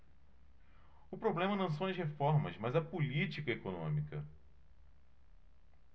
o problema não são as reformas mas a política econômica